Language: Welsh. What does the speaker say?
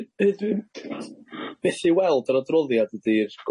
Yy w'ch chi'n be' sy i weld yr adroddiad ydi'r